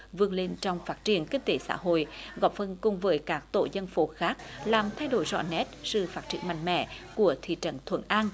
vươn lên trong phát triển kinh tế xã hội góp phần cùng với các tổ dân phố khác làm thay đổi rõ nét sự phát triển mạnh mẽ của thị trấn thuận an